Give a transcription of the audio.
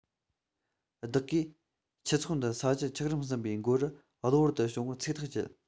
བདག གིས ཁྱུ ཚོགས འདི ས གཞི ཆགས རིམ གསུམ པའི འགོ རུ གློ བུར དུ བྱུང བར ཚིག ཐག བཅད